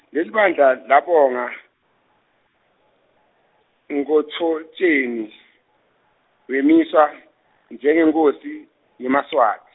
lelibandla labonga, Nkhotfotjeni, wemiswa, njengenkhosi yemaSwati.